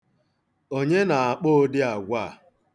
Onye na-akpa ụdị agwa a?